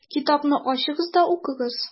Китапны ачыгыз да укыгыз: